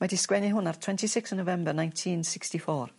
Mae 'di sgwennu hwn ar twenty six o' November ninteen sixty four.